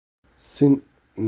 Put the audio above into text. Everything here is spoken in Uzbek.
sen nima uchun